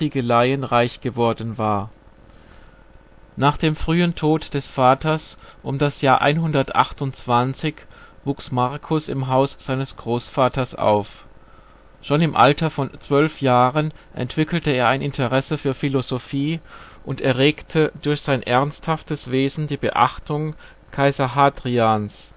Ziegeleien reich geworden war. Nach dem frühen Tod des Vaters um das Jahr 128 wuchs Marcus im Haus seines Großvaters auf. Schon im Alter von 12 Jahren entwickelte er ein Interesse für Philosophie und erregte durch sein ernsthaftes Wesen die Beachtung Kaiser Hadrians